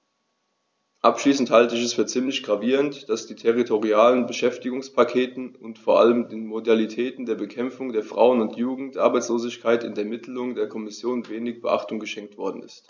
Abschließend halte ich es für ziemlich gravierend, dass den territorialen Beschäftigungspakten und vor allem den Modalitäten zur Bekämpfung der Frauen- und Jugendarbeitslosigkeit in der Mitteilung der Kommission wenig Beachtung geschenkt worden ist.